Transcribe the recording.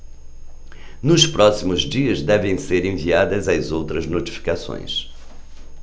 nos próximos dias devem ser enviadas as outras notificações